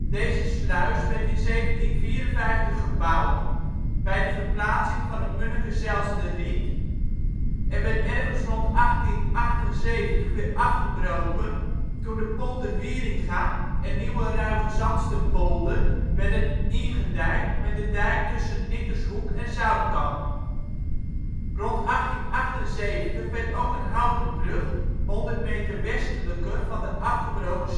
Deze sluis werd in 1754 gebouwd bij de verplaatsing van het Munnekezijlsterried en werd ergens rond 1878 weer afgebroken toen de Polder Wieringa en Nieuwe Ruigezandsterpolder werden ingedijkt met de dijk tussen Nittershoek en Zoutkamp. Rond 1878 werd ook een houten brug 100 meter westelijker van de afgebroken